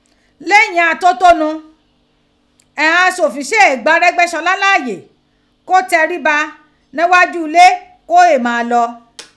Leyin atotonu ighan aṣofin se gba Aregbesola laaye ko tẹriba niwaju ile ko se maa lọ.